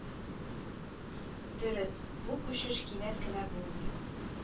Дөрес, бу күчеш кинәт кенә булмый